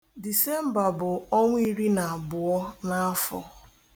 Disemba bụ ọnwa iri na abụọ n'afọ.